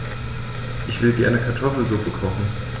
Ich will gerne Kartoffelsuppe kochen.